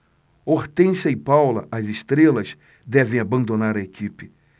hortência e paula as estrelas devem abandonar a equipe